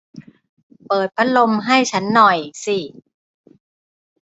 เปิดพัดลมให้ฉันหน่อยสิ